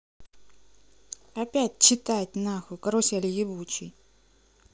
опять читать нахуй карусель ебучий